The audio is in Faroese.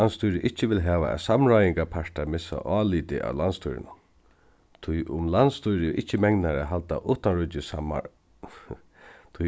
landsstýrið ikki vil hava at samráðingarpartar missa álitið á landsstýrinum tí um landsstýrið ikki megnar at halda